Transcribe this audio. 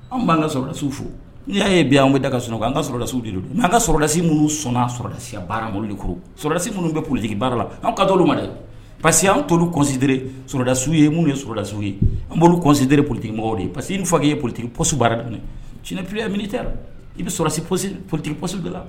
An b'an ka sɔrɔlasiw fo n'i y'a ye bi an bɛ da ka soɔgɔ an ka sɔrɔlasiw de don anan ka sɔrɔlasi minnu sɔnnadasi baara bolo de sudasi minnu bɛ politigiki baara la anw ka mara dɛ pa parce quesi y an tolu cosite sɔrɔdasiw ye minnu ye sudasiw ye an bolo cositere politigimɔgɔ ye pa parce que fɔ' ye politigi posi baara tuguni sini pfileya minɛ taara i bɛ sɔrɔdasi psi politigi pɔsi de la